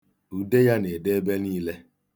Ude ya na-ede ebe niile.